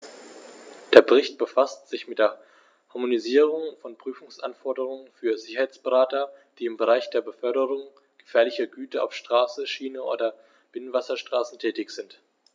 Der Bericht befasst sich mit der Harmonisierung von Prüfungsanforderungen für Sicherheitsberater, die im Bereich der Beförderung gefährlicher Güter auf Straße, Schiene oder Binnenwasserstraße tätig sind.